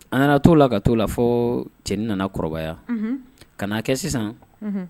An nana to' la ka t'o la fo cɛn nana kɔrɔbaya ka kɛ sisan